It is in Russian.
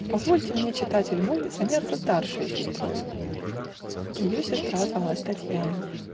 Позвольте мне, читатель мой, Заняться старшею сестрой. Ее сестра звалась Татьяна.